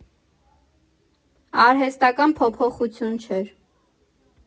Արհեստական փոփոխություն չէր։